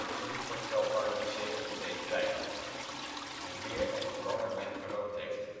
is niet voorspelbaar wie COPD krijgt. Hoe meer en hoe langer men gerookt heeft